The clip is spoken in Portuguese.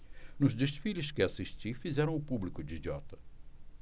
nos desfiles que assisti fizeram o público de idiota